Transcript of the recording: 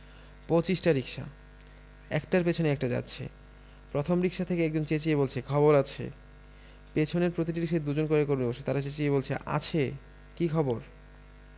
পঁচিশটা রিকশা একটার পেছনে একটা যাচ্ছে প্রথম রিকশা থেকে একজন চেঁচিয়ে বলছে খবর আছে পেছনের প্রতিটি রিকশায় দু জন করে কর্মী বসা তাঁরা চেঁচিয়ে বলছে আছে কি খবর